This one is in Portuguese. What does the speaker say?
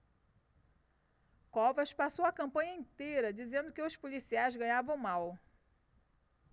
covas passou a campanha inteira dizendo que os policiais ganhavam mal